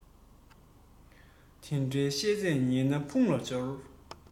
དེ འདྲའི བཤད ཚད ཉན ན ཕུང ལ སྦྱོར